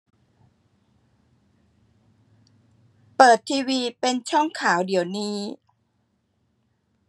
เปิดทีวีเป็นช่องข่าวเดี๋ยวนี้